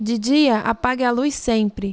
de dia apague a luz sempre